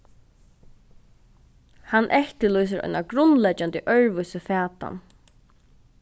hann eftirlýsir eina grundleggjandi øðrvísi fatan